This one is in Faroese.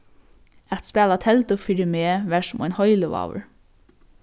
at spæla teldu fyri meg var sum ein heilivágur